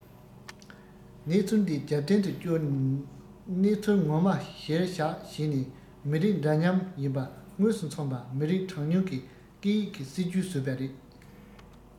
གནས ཚུལ འདི རྒྱབ རྟེན དུ བཅོལ གནས ཚུལ ངོ མ གཞིར བཞག བྱས ནས མི རིགས འདྲ མཉམ ཡིན པ དངོས སུ མཚོན པ མི རིགས གྲངས ཉུང གི སྐད ཡིག གི སྲིད ཇུས བཟོས པ རེད